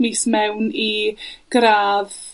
...mis mewn i gradd...